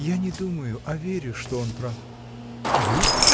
— Я не думаю, а верю, что он прав. А вы?